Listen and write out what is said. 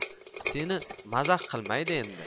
seni mazax qilmaydi endi